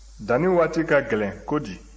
danni waati ka gɛlɛn ko di